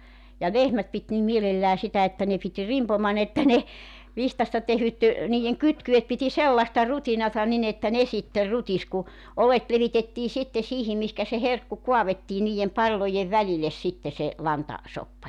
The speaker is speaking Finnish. ja lehmät piti niin mielellään sitä että ne piti rimpoman että ne vihdasta tehdyt niiden kytkyet piti sellaista rutinaa niin että ne sitten rutisi kun oljet levitettiin sitten siihen mihinkä se herkku kaadettiin niiden pallojen välille sitten se - lantasoppa